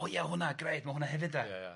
O ia hwnna grêt ma' hwnna hefyd de. Ia ia.